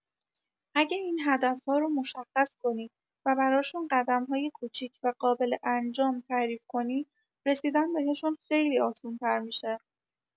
اگه این هدف‌ها رو مشخص کنی و براشون قدم‌های کوچیک و قابل انجام تعریف کنی، رسیدن بهشون خیلی آسون‌تر می‌شه.